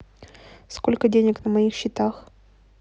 сколько денег на моих счетах